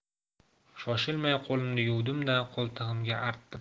shoshilmay qo'limni yuvdimda qo'ltigimga artdim